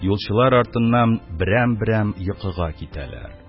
Юлчылар артыннан берәм-берәм йокыга китәләр,